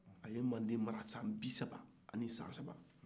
a ye mande mara san bisaba ani san saba